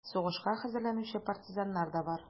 Сугышка хәзерләнүче партизаннар да бар: